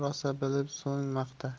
rosa bilib so'ng maqta